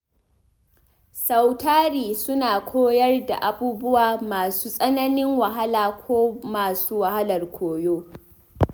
Sautari suna koyar da abubuwa masu tsananin wahala ko masu wahalar koyo.